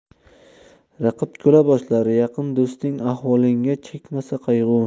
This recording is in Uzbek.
raqib kula boshlar yaqin do'sting ahvolingga chekmasa qayg'u